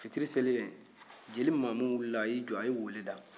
fitiri selilen jeli mamu wulila a y'i jɔ a ye weele da